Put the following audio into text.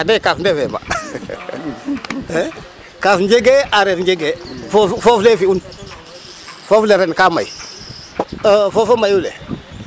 Anda yee kaaf ndefe ma he kaaf njegee aareer njegee foof le fi'un foof le ren ka may foof fo mayu le .